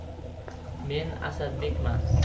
men asadbekman